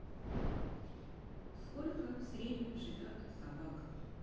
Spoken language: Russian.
сколько в среднем живет собака